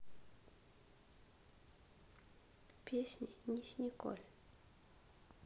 песни ни с николь